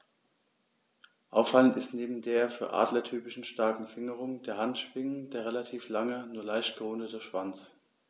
Auffallend ist neben der für Adler typischen starken Fingerung der Handschwingen der relativ lange, nur leicht gerundete Schwanz.